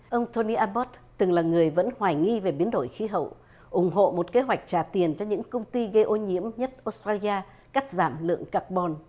ông tô ny a bót từng là người vẫn hoài nghi về biến đổi khí hậu ủng hộ một kế hoạch trả tiền cho những công ty gây ô nhiễm nhất ốt troai ra cắt giảm lượng các bon